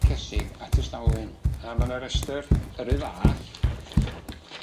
cesyg at y stalwyn. A ma' 'na restyr yr un fath